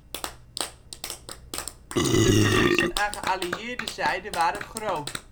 verliezen aan geallieerde zijde waren groot